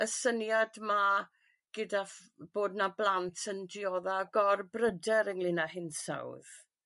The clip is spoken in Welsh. y syniad ma' gyda ph- bod 'na blant yn diodda gorbryder ynglŷn â hinsawdd.